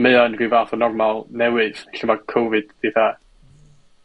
Mae o'n rhyw fath o normal newydd, lle ma'r Covid 'di 'tha